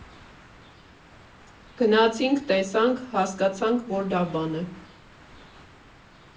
Գնացինք, տեսանք, հասկացանք, որ լավ բան է։